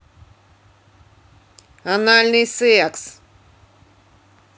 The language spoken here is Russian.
анальный секс